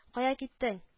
— кая киттең